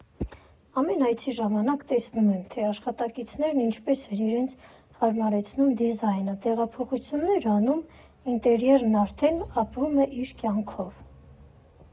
Ամեն այցի ժամանակ տեսնում եմ, թե աշխատակիցներն ինչպես են իրենց հարմարեցնում դիզայնը, տեղափոխություններ անում, ինտերիերն արդեն ապրում է իր կյանքով։